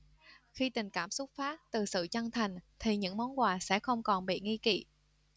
khi tình cảm xuất phát từ sự chân thành thì những món quà sẽ không còn bị nghi kỵ